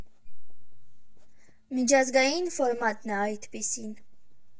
Միջազգային ֆորմատն է այդպիսին։